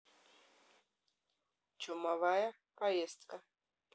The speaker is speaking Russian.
чумовая поездка